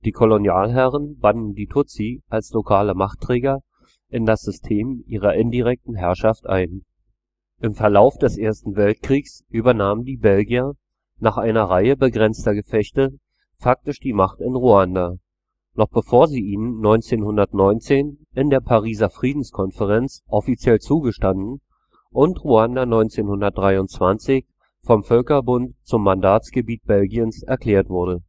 Kolonialherren banden die Tutsi als lokale Machtträger in das System ihrer indirekten Herrschaft ein. Im Verlauf des Ersten Weltkriegs übernahmen die Belgier nach einer Reihe begrenzter Gefechte faktisch die Macht in Ruanda, noch bevor sie ihnen 1919 in der Pariser Friedenskonferenz offiziell zugestanden und Ruanda 1923 vom Völkerbund zum Mandatsgebiet Belgiens erklärt wurde